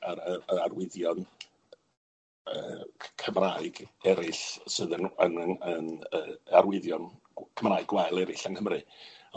ar- yy arwyddion yy C- Cymraeg eryll sydd yn yn yn yy arwyddion Cymraeg gwael eryll yng Nghymru.